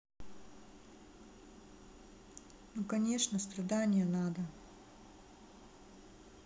ну конечно страдания надо